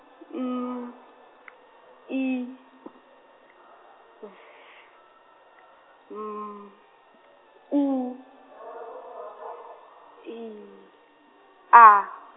M I V M U I A.